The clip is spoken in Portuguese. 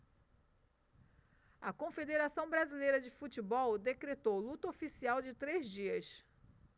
a confederação brasileira de futebol decretou luto oficial de três dias